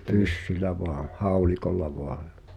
pyssyllä vain haulikolla vain ja